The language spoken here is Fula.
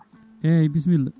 eyyi bisimilla